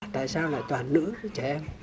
tại sao lại toàn nữ với trẻ em